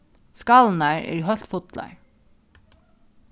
skálirnar eru heilt fullar